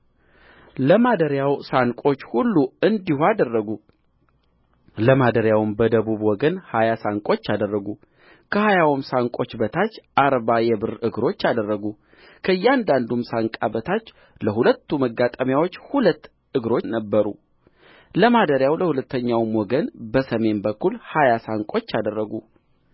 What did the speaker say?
ለማደሪያው ሳንቆች ሁሉ እንዲሁ አደረጉ ለማደሪያውም በደቡብ ወገን ሀያ ሳንቆችን አደረጉ ከሀያውም ሳንቆች በታች አርባ የብር እግሮች አደረጉ ከእያንዳንዱም ሳንቃ በታች ለሁለቱ ማጋጠሚያዎች ሁለት እግሮች ነበሩ ለማደሪያው ለሁለተኛው ወገን በሰሜን በኩል ሀያ ሳንቆች አደረጉ